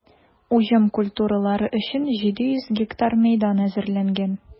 Уҗым культуралары өчен 700 га мәйдан әзерләнгән.